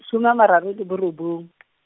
some a mararo le borobong .